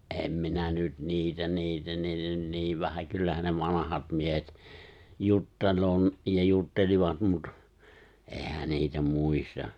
en minä nyt niitä niitä niitä nyt niin vähän kyllähän ne vanhat miehet juttelee - ja juttelivat mutta eihän niitä muista